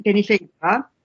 genilleidfa.